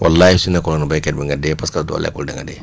wallaahi su nekkul woon béykat bi nga dee parce que soo lekkul da nga dee